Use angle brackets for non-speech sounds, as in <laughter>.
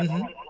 <hesitation> <hesitation>